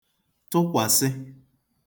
tụkwàsị